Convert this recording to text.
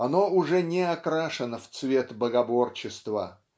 Оно уже не окрашено в цвет богоборчества